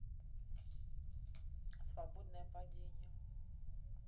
свободное падение